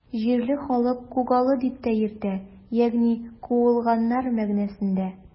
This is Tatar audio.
Җирле халык Кугалы дип тә йөртә, ягъни “куылганнар” мәгънәсендә.